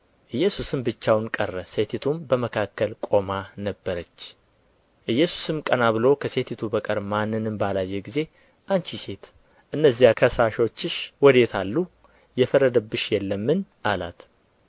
ኢየሱስም ብቻውን ቀረ ሴቲቱም በመካከል ቆማ ነበረች ኢየሱስም ቀና ብሎ ከሴቲቱ በቀር ማንንም ባላየ ጊዜ አንቺ ሴት እነዚያ ከሳሾችሽ ወዴት አሉ የፈረደብሽ የለምን አላት